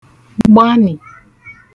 gbanị̀